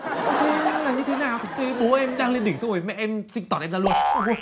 nào thế bố em đang lên đỉnh xong rồi mẹ em sinh tọt em ra luôn